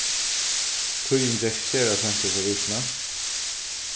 tíðin gekk sera seint hesa vikuna